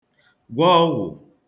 gwọ ọgwụ̀